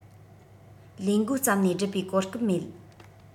ལས མགོ བརྩམས ནས བསྒྲུབས པའི གོ སྐབས མེད